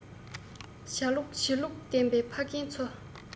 བྱ ལུགས བྱེད ལུགས ལྡན པའི ཕ རྒན ཚོ